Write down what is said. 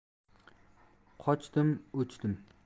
ko'chdim o'chdim